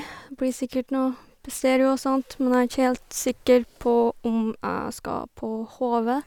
Blir sikkert noe Pstereo og sånt, men jeg er itj helt sikker på om jeg skal på Hove.